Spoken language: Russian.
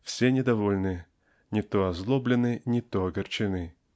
все недовольны, не то озлоблены, не то огорчены.